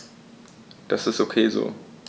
Das ist ok so.